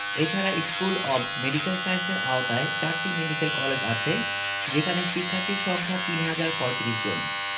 এছাড়া school of medical সায়েন্সের আওতায় চারটি মেডিক্যাল কলেজ আছে যেখানে শিক্ষার্থীর সংখ্যা ৩ হাজার ৩৫ জন